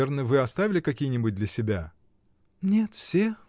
Верно, вы оставили какие-нибудь для себя? — Нет, все.